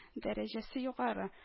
Дәрәҗәсе югары